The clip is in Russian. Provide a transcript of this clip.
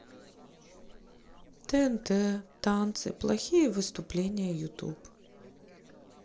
тнт танцы плохие выступления ютуб